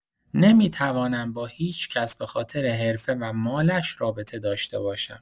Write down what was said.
نمی‌توانم با هیچ‌کس به‌خاطر حرفه و مالش رابطه داشته باشم.